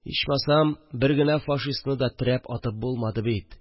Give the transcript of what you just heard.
Ичмасам бер генә фашистны да терәп атып булмады бит